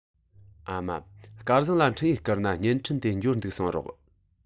ཨ མ སྐལ བཟང ལ འཕྲིན ཡིག བསྐུར ན བརྙན འཕྲིན དེ འབྱོར འདུག གསུངས རོགས